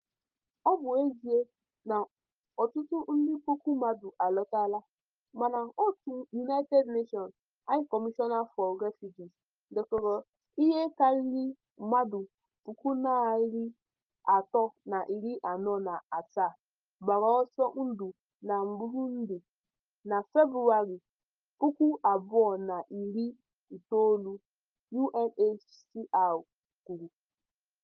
Ọ bụ ezie na ọtụtụ puku ndị mmadụ alọtala, mana òtù United Nations High Commissioner for Refugees dekọrọ ihe karịrị mmadụ 347,000 gbara ọsọ ndụ na Burundi na Febụwarị 2019, UNHCR kwuru: